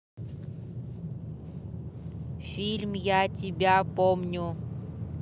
фильм я тебя помню